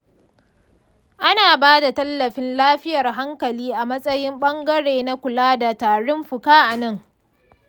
ana ba da tallafin lafiyar hankali a matsayin ɓangare na kula da tarin fuka a nan.